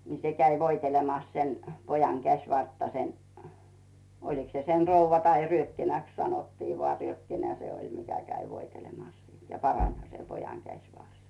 niin se kävi voitelemassa sen pojan käsivartta sen olikos se sen rouva tai ryökkinäksi sanottiin vain ryökkinä se oli mikä kävi voitelemassa siinä ja paranihan se pojan käsivarsi